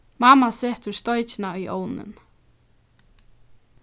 mamma setir steikina í ovnin